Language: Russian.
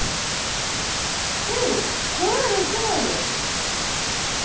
давай разговариваем